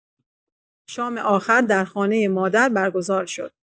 شام آخر در خانۀ مادر برگزار شد.